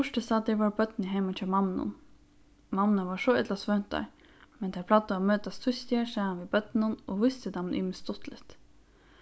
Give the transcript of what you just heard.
burturstaddir vóru børnini heima hjá mammunum mammurnar vóru so illa svøvntar men tær plagdu at møtast týsdagar saman við børnunum og vístu teimum ymiskt stuttligt